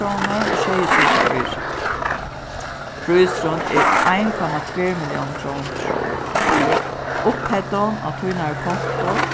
krónur og sjeyogtretivu oyru prísurin er ein komma tvær milliónir krónur upphæddin á tínari konto